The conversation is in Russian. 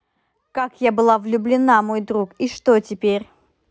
как я была влюблена мой друг и что теперь